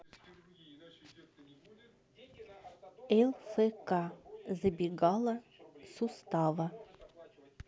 лфк забегала сустава